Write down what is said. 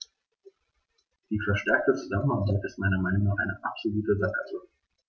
Die verstärkte Zusammenarbeit ist meiner Meinung nach eine absolute Sackgasse.